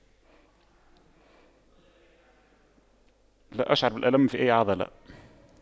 لا أشعر بالألم في أي عضلة